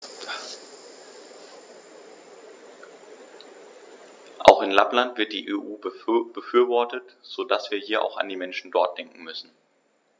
Auch in Lappland wird die EU befürwortet, so dass wir hier auch an die Menschen dort denken müssen.